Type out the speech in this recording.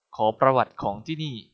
ขอประวัติของที่นี่